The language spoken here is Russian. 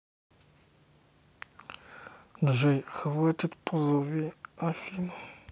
джой хватит позови афину